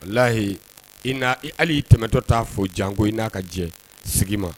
Lahiyi i hali y'i tɛmɛtɔ taa'a fɔ jan ko i n'a ka jɛ sigi ma